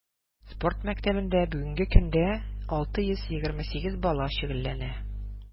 Спорт мәктәбендә бүгенге көндә 628 бала шөгыльләнә.